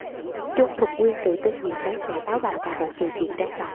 chung thục quyên tự tin diện váy xẻ táo bạo tại một sự kiện trang trọng